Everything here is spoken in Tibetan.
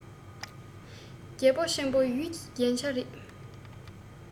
རྒྱལ པོ ཆེན པོ ཡུལ གྱི རྒྱན ཆ རེད